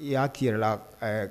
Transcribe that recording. I y'a k'i yɛrɛ la ɛɛ